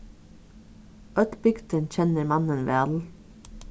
øll bygdin kennir mannin væl